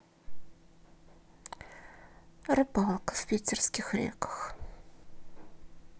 рыбалка в питерских реках